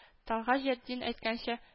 Тәлгать Таҗетдин әйткәнчә